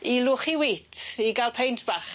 I lwchu wît i ga'l paint bach.